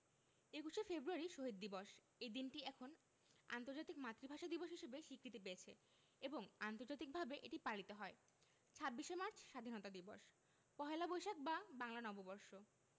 ২১শে ফেব্রুয়ারি শহীদ দিবস এই দিনটি এখন আন্তর্জাতিক মাতৃভাষা দিবস হিসেবে স্বীকৃতি পেয়েছে এবং আন্তর্জাতিকভাবে এটি পালিত হয় ২৬শে মার্চ স্বাধীনতা দিবস পহেলা বৈশাখ বা বাংলা নববর্ষ